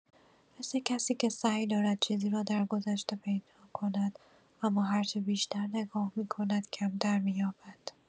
مثل کسی که سعی دارد چیزی را درگذشته پیدا کند، اما هر چه بیشتر نگاه می‌کند، کمتر می‌یابد.